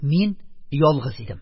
Мин ялгыз идем.